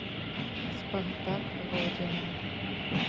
спартак родина